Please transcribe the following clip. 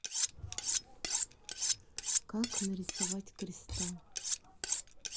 как нарисовать красивый кристалл